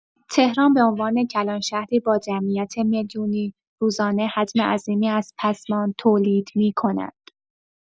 تهران به‌عنوان کلان‌شهری با جمعیت میلیونی، روزانه حجم عظیمی از پسماند تولید می‌کند.